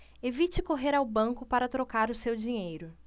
evite correr ao banco para trocar o seu dinheiro